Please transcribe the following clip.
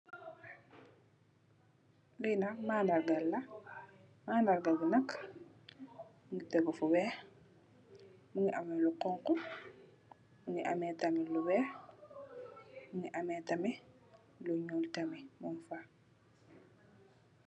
Li nak mandarga la mandarga bi nak mongi tegu fu weex mongi ame lu xonxu mongi ame tamit lu weex mongi ame tamit lu nuul tamit mung fa.